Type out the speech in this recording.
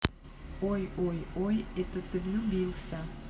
ой ой ой ой это ты влюбился